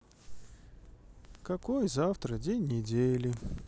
какой завтра день недели